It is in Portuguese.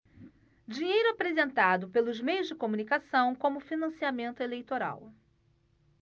dinheiro apresentado pelos meios de comunicação como financiamento eleitoral